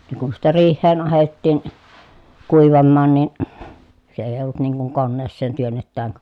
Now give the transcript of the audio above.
ne kun sitten riiheen ahdettiin kuivamaan niin se ei ollut niin kuin koneeseen työnnetään -